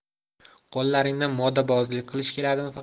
qo'llaringdan modabozlik qilish keladimi faqat